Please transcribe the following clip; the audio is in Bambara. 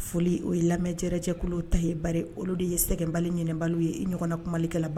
Foli o ye lamɛnjɛjɛkulu ta ye ba olu de ye sɛgɛ bali ɲinibali ye ɲɔgɔnna kumakɛ